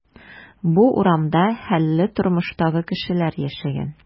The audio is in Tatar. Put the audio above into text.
Бу урамда хәлле тормыштагы кешеләр яшәгән.